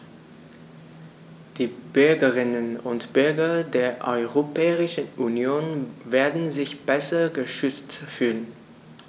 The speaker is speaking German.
Die Bürgerinnen und Bürger der Europäischen Union werden sich besser geschützt fühlen.